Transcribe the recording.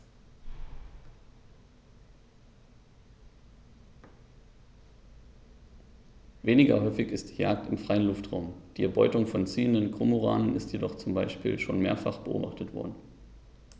Weniger häufig ist die Jagd im freien Luftraum; die Erbeutung von ziehenden Kormoranen ist jedoch zum Beispiel schon mehrfach beobachtet worden.